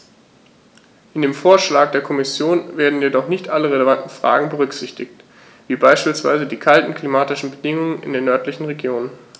In dem Vorschlag der Kommission werden jedoch nicht alle relevanten Fragen berücksichtigt, wie beispielsweise die kalten klimatischen Bedingungen in den nördlichen Regionen.